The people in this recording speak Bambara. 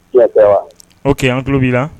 O ke yan tulo b'i la